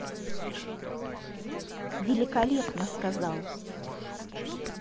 великолепно сказал